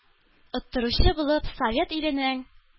Оттыручы булып, совет иленең,